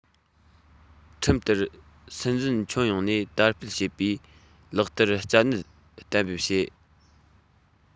ཁྲིམས ལྟར སྲིད འཛིན ཁྱོན ཡོངས ནས དར སྤེལ བྱེད པའི ལག བསྟར རྩ གནད གཏན འབེབས བྱས